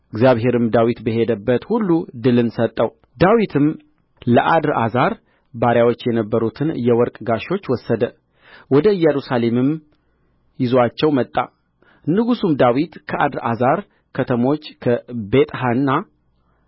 እግዚአብሔርም ዳዊት በሄደበት ሁሉ ድልን ሰጠው ዳዊትም ለአድርአዛር ባሪያዎች የነበሩትን የወርቅ ጋሾች ወሰደ ወደ ኢየሩሳሌምም ይዞአቸው መጣ ንጉሡም ዳዊት ከአድርአዛር ከተሞች